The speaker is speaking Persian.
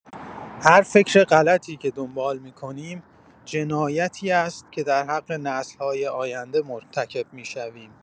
هر فکر غلطی که دنبال می‌کنیم، جنایتی است که در حق نسل‌های آینده مرتکب می‌شویم.